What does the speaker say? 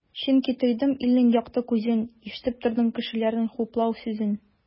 Чөнки тойдым илнең якты күзен, ишетеп тордым кешеләрнең хуплау сүзен.